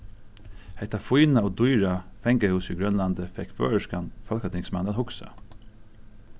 hetta fína og dýra fangahúsið í grønlandi fekk føroyskan fólkatingsmann at hugsa